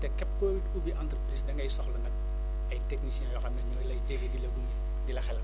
te képp kuy ubbi entreprise da ngay soxla ay techniciens yoo xam ne ñooy lay téye di la gunge di la xelal